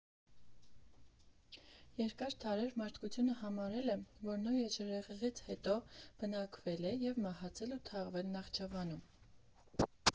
Երկար դարեր մարդկությունը համարել է, որ Նոյը ջրհեղեղից հետո բնակվել է և մահացել ու թաղվել Նախճավանում։